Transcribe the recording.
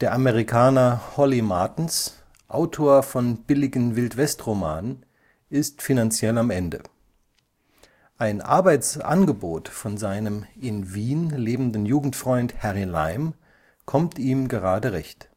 Amerikaner Holly Martins, Autor von billigen Wildwestromanen, ist finanziell am Ende. Ein Arbeitsangebot von seinem in Wien lebenden Jugendfreund Harry Lime kommt ihm gerade recht